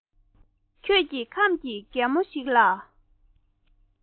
ཁྱོད ཀྱིས ཁམས ཀྱི རྒན མོ ཞིག ལ